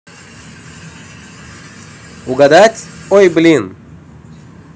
угадать ой блин